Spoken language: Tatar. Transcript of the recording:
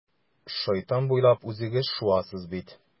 Шайтан буйлап үзегез шуасыз бит.